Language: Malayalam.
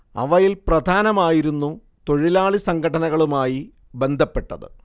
അവയിൽ പ്രധാനമായിരുന്നു തൊഴിലാളി സംഘടനകളുമായി ബന്ധപ്പെട്ടത്